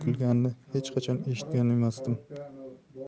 kulganini hech qachon eshitgan emasdim